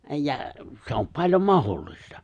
ja se on paljon mahdollista